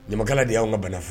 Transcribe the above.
Ɲamakala de y'an ka bana